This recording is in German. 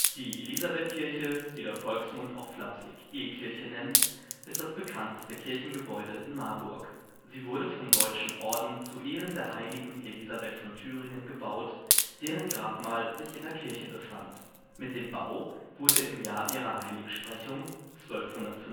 Die Elisabethkirche, die der Volksmund auch flapsig " E-Kirche " nennt, ist das bekannteste Kirchengebäude in Marburg. Sie wurde vom Deutschen Orden zu Ehren der Heiligen Elisabeth von Thüringen gebaut, deren Grabmal sich in der Kirche befand. Mit dem Bau wurde im Jahr ihrer Heiligsprechung (1235